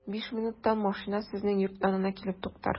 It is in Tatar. Биш минуттан машина сезнең йорт янына килеп туктар.